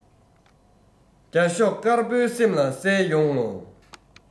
རྒྱ ཤོག དཀར པོའི སེམས ལ གསལ ཡོང ངོ